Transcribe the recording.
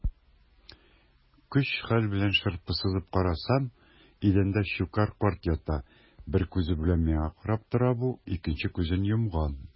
Көч-хәл белән шырпы сызып карасам - идәндә Щукарь карт ята, бер күзе белән миңа карап тора бу, икенче күзен йомган.